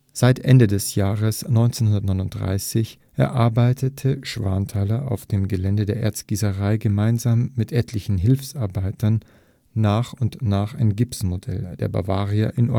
Seit Ende des Jahres 1839 erarbeitete Schwanthaler auf dem Gelände der Erzgießerei gemeinsam mit etlichen Hilfsarbeitern nach und nach ein Gipsmodell der Bavaria in